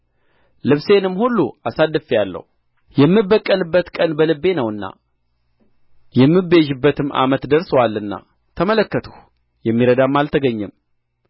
ልብሴንም ሁሉ አስድፌአለሁ የምበቀልበት ቀን በልቤ ነውና የምቤዥበትም ዓመት ደርሶአልና ተመለከትሁ የሚረዳም አልተገኘም